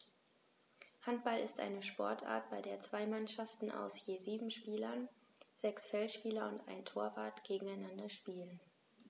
Handball ist eine Sportart, bei der zwei Mannschaften aus je sieben Spielern (sechs Feldspieler und ein Torwart) gegeneinander spielen.